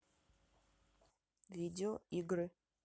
видео игры